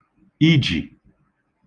ijì